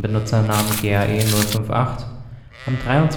VATSIM - erreichbar unter